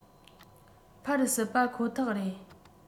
འཕར སྲིད པ ཁོ ཐག རེད